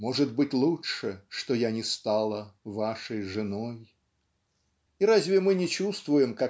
Может быть, лучше, что я не стала Вашей женой? И разве мы не чувствуем